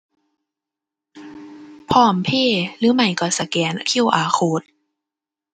PromptPay หรือไม่ก็สแกน QR code